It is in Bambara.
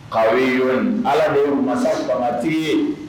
Ala de ye mansa ye